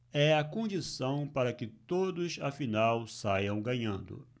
é a condição para que todos afinal saiam ganhando